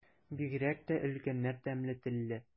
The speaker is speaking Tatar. Бигрәк тә өлкәннәр тәмле телле.